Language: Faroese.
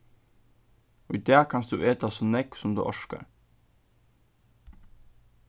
í dag kanst tú eta so nógv sum tú orkar